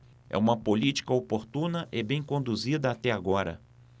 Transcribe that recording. é uma política oportuna e bem conduzida até agora